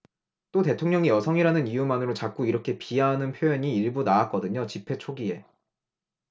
또 대통령이 여성이라는 이유만으로 자꾸 이렇게 비하하는 표현이 일부 나왔거든요 집회 초기에